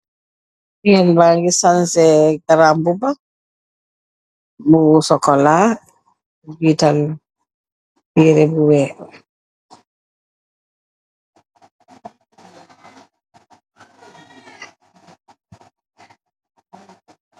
Merr bangi sanseh grandbuba nbubu sokola. jital yeere bu weex